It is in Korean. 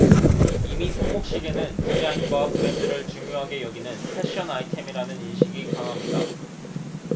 이미 손목시계는 디자인과 브랜드를 중요하게 여기는 패션 아이템이라는 인식이 강합니다